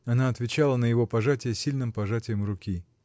Она отвечала на его пожатие сильным пожатием руки.